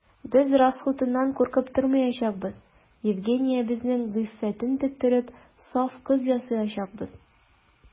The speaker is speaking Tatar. Без расхутыннан куркып тормаячакбыз: Евгениябезнең гыйффәтен тектереп, саф кыз ясаячакбыз.